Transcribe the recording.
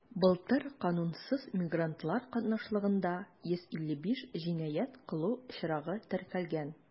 Былтыр канунсыз мигрантлар катнашлыгында 155 җинаять кылу очрагы теркәлгән.